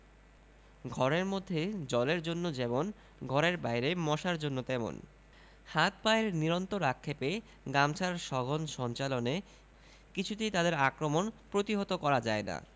ঘরের মধ্যে জলের জন্য যেমন ঘরের বাইরে মশার জন্য তেমন হাত পায়ের নিরন্তর আক্ষেপে গামছার সঘন সঞ্চালনে কিছুতেই তাদের আক্রমণ প্রতিহত করা যায় না